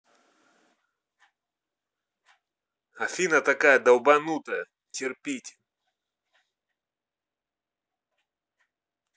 афина такая долбанутая терпите